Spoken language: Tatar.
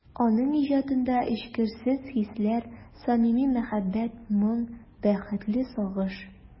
Аның иҗатында эчкерсез хисләр, самими мәхәббәт, моң, бәхетле сагыш...